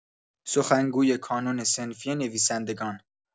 سخنگوی کانون صنفی نویسندگان